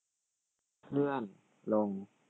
เลื่อนลง